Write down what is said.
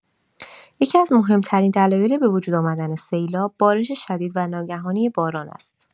یکی‌از مهم‌ترین دلایل به‌وجود آمدن سیلاب، بارش شدید و ناگهانی باران است.